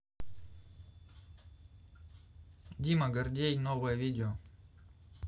дима гордей новое видео